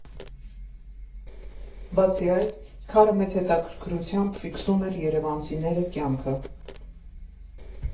Բացի այդ, Քարը մեծ հետաքրքրությամբ ֆիքսում էր երևանցիները կյանքը։